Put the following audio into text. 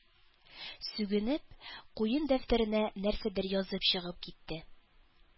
Сүгенеп, куен дәфтәренә нәрсәдер язып чыгып китте.